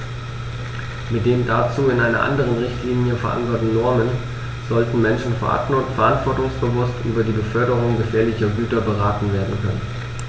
Mit den dazu in einer anderen Richtlinie, verankerten Normen sollten Menschen verantwortungsbewusst über die Beförderung gefährlicher Güter beraten werden können.